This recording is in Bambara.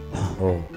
Unhɔn